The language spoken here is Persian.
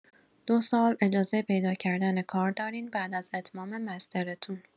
دو سال اجازه پیدا کردن کار دارین بعد از اتمام مسترتون.